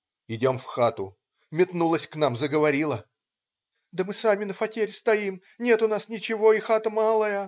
Идем в хату - метнулась к нам, заговорила: "Да мы сами на фатере стоим, нет у нас ничего и хата малая".